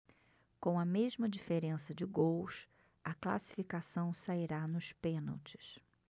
com a mesma diferença de gols a classificação sairá nos pênaltis